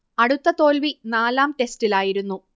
അടുത്ത തോൽവി നാലാം ടെസ്റ്റിലായിരുന്നു